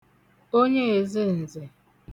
onye èzenzè